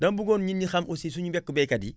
dama bëggoon nit ñi xam aussi suñu mbokku baykat yi